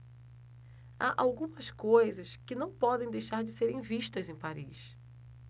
há algumas coisas que não podem deixar de serem vistas em paris